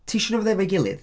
Ti isio nhw fod efo'i gilydd.